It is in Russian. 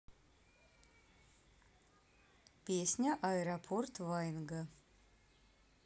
песня аэропорт ваенга